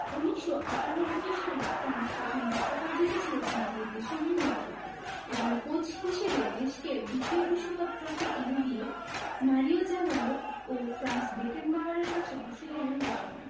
১৯৯৮ সালে ফ্রান্স প্রথম বিশ্বকাপ জিতেছিল দিদিয়ের দেশমের নেতৃত্বে এবার কোচ হিসেবে দেশকে দ্বিতীয় বিশ্বকাপ ট্রফি এনে দিয়ে মারিও জাগালো ও ফ্রাঞ্জ বেকেনবাওয়ারের পাশে বসে গেলেন দেশম